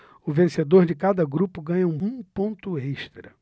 o vencedor de cada grupo ganha um ponto extra